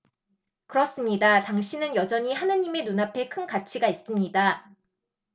그렇습니다 당신은 여전히 하느님의 눈앞에 큰 가치가 있습니다